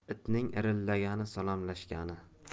itning irrilagani salomlashgani